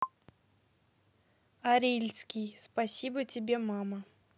арильский спасибо тебе мама